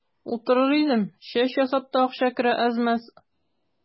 Утырыр идем, чәч ясап та акча керә әз-мәз.